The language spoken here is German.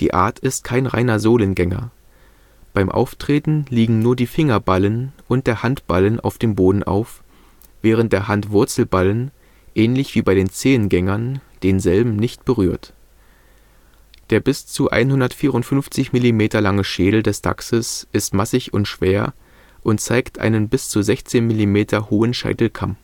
Art ist kein reiner Sohlengänger. Beim Auftreten liegen nur die Fingerballen und der Handballen auf dem Boden auf, während der Handwurzelballen – ähnlich wie bei den Zehengängern – denselben nicht berührt. Der bis zu 154 mm lange Schädel des Dachses ist massig und schwer und zeigt einen bis zu 16 mm hohen Scheitelkamm